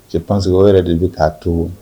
Cɛ panse o yɛrɛ de bɛ k'a to